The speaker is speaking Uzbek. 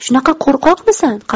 shunaqa qo'rqoqmisan